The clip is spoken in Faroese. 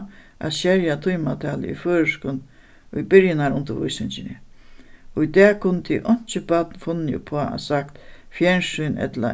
at skerja tímatalið í føroyskum í byrjanarundirvísingini í dag kundi einki barn funnið uppá at sagt fjernsyn ella